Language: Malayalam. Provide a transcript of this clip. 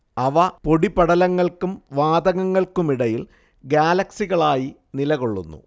അവ പൊടിപടലങ്ങൾക്കും വാതകങ്ങൾക്കുമിടയിൽ ഗ്യാലക്സികളായി നിലകൊള്ളുന്നു